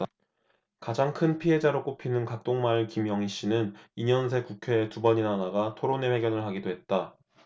가장 큰 피해자로 꼽히는 각동마을 김영희씨는 이 년 새 국회에 두 번이나 나가 토론회 회견을 하기도 했다